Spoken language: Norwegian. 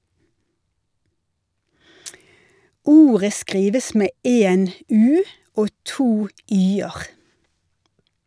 Ordet skrives med én "u" og to "y"-er.